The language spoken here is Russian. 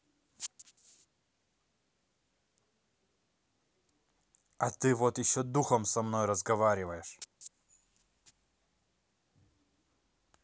а ты вот еще духом со мной разговариваешь